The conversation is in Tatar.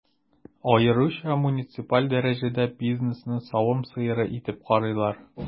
Аеруча муниципаль дәрәҗәдә бизнесны савым сыеры итеп карыйлар.